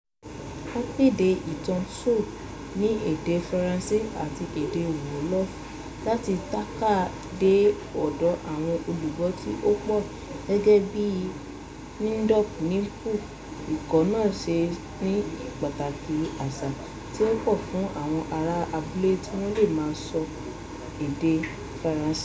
Wọ́n kéde ìtàn Sow ní èdè Faransé àti èdè Wolof láti tànká dé ọ̀dọ́ àwọn olùgbọ́ tí ó pọ̀, gẹ́gẹ́ bíi ndeup neupal ikọ̀ náà ṣe ní pàtàkì àṣà tí ó pọ̀ fún àwọn ará abúlé tí wọ́n le má sọ èdè Faransé.